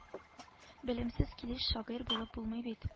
Белемсез килеш шагыйрь булып булмый бит